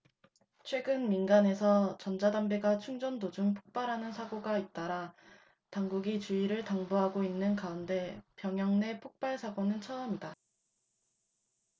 최근 민간에서 전자담배가 충전 도중 폭발하는 사고가 잇따라 당국이 주의를 당부하고 있는 가운데 병영 내 폭발 사고는 처음이다